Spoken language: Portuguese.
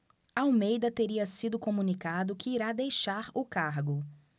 almeida teria sido comunicado que irá deixar o cargo